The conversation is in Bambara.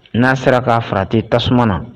N'a sera k'a farati tasuma na